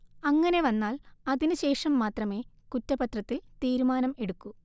അങ്ങനെ വന്നാൽ അതിന് ശേഷം മാത്രമേ കുറ്റപത്രത്തിൽ തീരുമാനം എടുക്കൂ